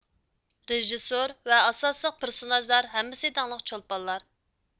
رىژىسسور ۋە ئاساسلىق پىرسوناژلار ھەممىسى داڭلىق چولپانلار